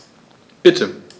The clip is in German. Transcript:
Bitte.